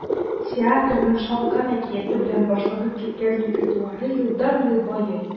Театрның “Шалкан” әкияте белән башланып киткән репертуары елдан-ел байый.